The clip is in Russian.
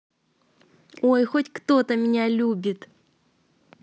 ой хоть кто то меня любит